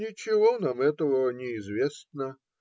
Ничего нам этого не известно.